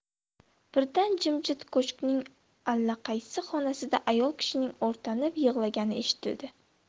birdan jimjit ko'shkning allaqaysi xonasida ayol kishining o'rtanib yig'lagani eshitildi